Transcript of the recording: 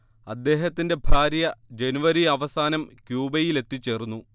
അദ്ദേഹത്തിന്റെ ഭാര്യ ജനുവരി അവസാനം ക്യൂബയിലെത്തിച്ചേർന്നു